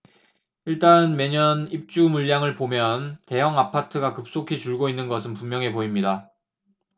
일단 매년 입주 물량을 보면 대형아파트가 급속히 줄고 있는 것은 분명해 보입니다